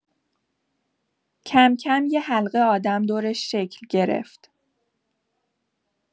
کم‌کم یه حلقه آدم دورش شکل گرفت.